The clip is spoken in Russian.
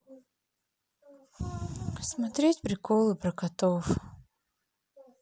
смотреть приколы про котов